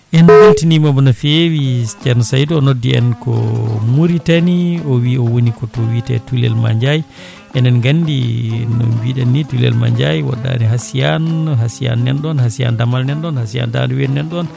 en beltinimomo no fewi ceerno Saydou o noddi en ko Mauritanie o wii o woni ko to wiite Tutel Madiaye enen gandi no mbiɗen ni Tutel Mandiaye woɗɗani Haasiyan Haasiyan nanɗon Haasiyan Damal nanɗon Haasiyan Dande Weedu nanɗon